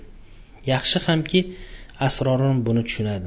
yaxshi xamki srorim buni tushunadi